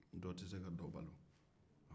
dotɛ se ka dɔ balo